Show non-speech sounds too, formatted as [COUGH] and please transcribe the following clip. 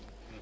[HESITATION] [HESITATION]